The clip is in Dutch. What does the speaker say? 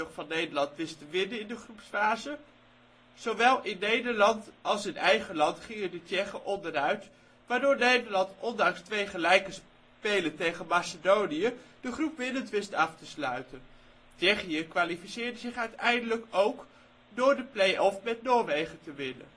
van Nederland wist te winnen in de groepsfase. Zowel in Nederland als in eigen land gingen de Tsjechen onderuit, waardoor Nederland ondanks twee gelijke spelen tegen Macedonië de groep winnend wist af te sluiten. Tsjechië kwalificeerde zich uiteindelijk ook door de play-off met Noorwegen te winnen